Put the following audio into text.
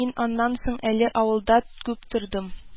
Мин аннан соң әле авылда күп тордым